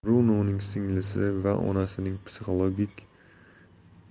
brunoning singlisi va onasining psixologik